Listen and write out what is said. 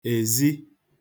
èzi